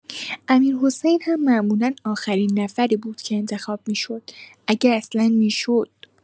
امیرحسین هم معمولا آخرین نفری بود که انتخاب می‌شد، اگه اصلا می‌شد.